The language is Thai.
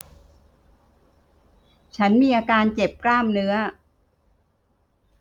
ฉันมีอาการเจ็บกล้ามเนื้อ